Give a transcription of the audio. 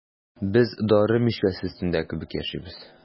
Без дары мичкәсе өстендә кебек яшибез.